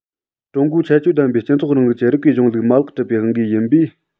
ཀྲུང གོའི ཁྱད ཆོས ལྡན པའི སྤྱི ཚོགས རིང ལུགས ཀྱི རིགས པའི གཞུང ལུགས མ ལག གྲུབ པའི དབང གིས ཡིན པས